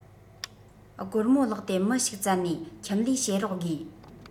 སྒོར མོ བརླག ཏེ མི ཞིག བཙལ ནས ཁྱིམ ལས བྱེད རོགས དགོས